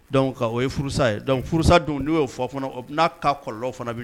Dɔnku o ye furusa ye dɔnku furusa dun n'u y'o fɔ fana ka kɔlɔlɔ fana